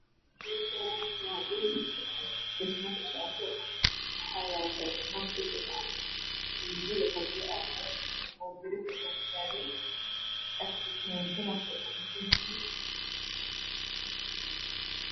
Mwshan waa dhul dhismo kusocoto waxa yalo dhagaxman jajab ah io guri qabyo ah oo biro katagtagan agtisana oow dabaq kadhisan yahay